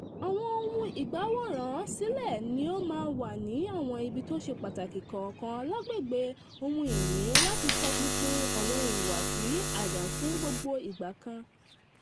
Àwọn ohun ìgbàwòrán sílẹ̀ ní ó máa wà ní àwọn ibí tó ṣe pàtàkì kọ̀ọ̀kan lágbègbè ohun ìní láti tọpinpin àwọn ìhùwàsí àdan fún gbogbo ìgbà kan.